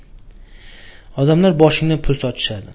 odamlar boshingdan pul sochishadi